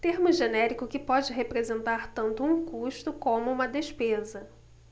termo genérico que pode representar tanto um custo como uma despesa